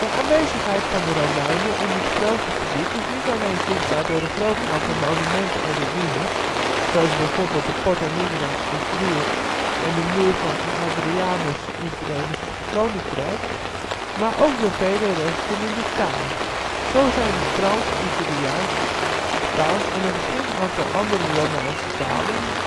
aanwezigheid van de Romeinen in dit grote gebied is niet alleen zichtbaar door een groot aantal monumenten en ruïnes, zoals bijvoorbeeld de Porta Nigra in Trier en de muur van Hadrianus in het Verenigd Koninkrijk, maar ook door vele resten in de taal. Zo zijn het Frans, Italiaans, Spaans en nog een flink aantal andere Romaanse talen